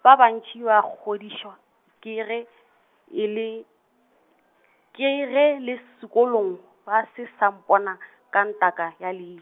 ba bantši ba kgodišwa , ke ge e le , ke ge le sekolong, ba se sa mpona , ka ntaka, ya lei-.